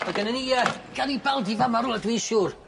Ma' gynnon ni yy garibaldi fa' 'ma rwla dwi siŵr.